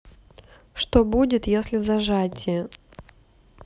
что будет если зажатие